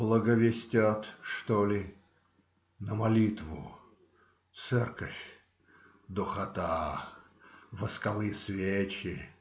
- Благовестят, что ли? На молитву. Церковь. духота. Восковые свечи.